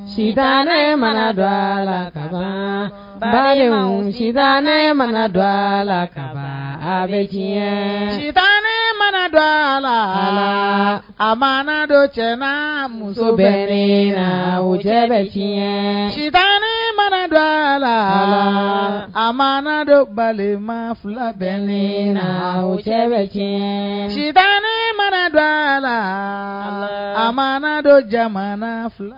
Si ne mana dɔ a la ka balimamu ne mana dɔ la ka bɛ si ne mana dɔ a la a ma dɔ cɛ muso bɛ la wo cɛ bɛɲɛ si ne mana dɔ la a ma don balima fila bɛ le la wo cɛ bɛ cɛ si mana dɔ la a mana don jamana fila